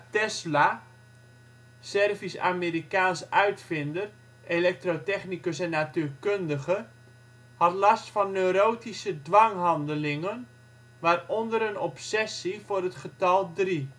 Tesla (Servisch-Amerikaanse uitvinder, elektrotechnicus en natuurkundige) had last van neurotische dwanghandelingen, waaronder een obsessie voor het getal drie